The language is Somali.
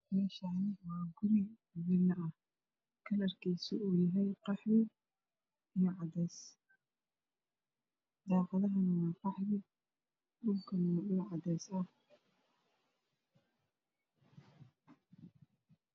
Meeshani waa kalrkeduna yahay qaxwi